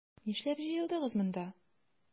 Нишләп җыелдыгыз монда?